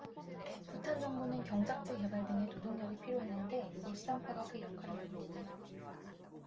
부탄 정부는 경작지 개발 등에 노동력이 필요했는데 롯삼파가 그 역할을 맡았다